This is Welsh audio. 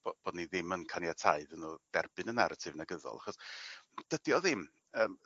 bo' bod ni ddim yn caniatáu iddyn n'w dderbyn y naratif negyddol achos dydi o ddim yym